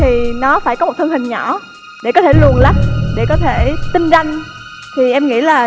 thì nó phải có một thân hình nhỏ để có thể luồn lách để có thể tinh ranh thì em nghĩ là